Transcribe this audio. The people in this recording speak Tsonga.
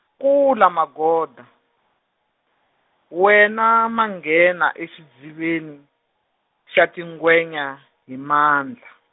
kula Magoda, wena manghena exidziveni, xa tingwenya, hi mandla.